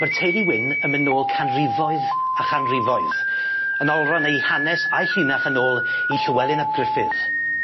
Ma'r teulu Wyn yn myn' nôl canrifoedd a chanrifoedd yn olrhan eu hanes a'u llinach yn ôl i Llywelyn ap Gruffydd.